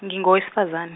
ngingowesifazana .